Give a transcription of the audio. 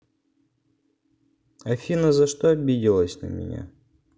афина за что обиделась на меня